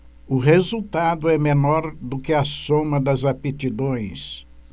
o resultado é menor do que a soma das aptidões